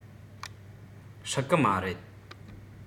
སྲིད གི མ རེད